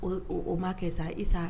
O o o maa kɛ sa, i saa